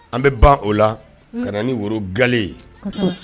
An bɛ ban o la ka na ni woro gale ye